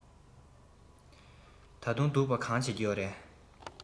ད དུང སྡུག པ གང བྱེད ཀྱི ཡོད རས